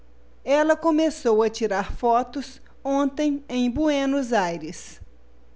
ela começou a tirar fotos ontem em buenos aires